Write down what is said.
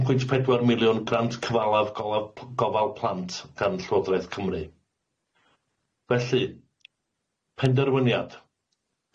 Un pwynt pedwar miliwn grant cyfalaf golaf p- gofal plant gan Llywodraeth Cymru. Felly, Penderwyniad.